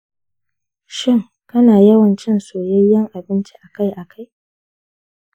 shin kana yawan cin soyayyen abinci akai-akai?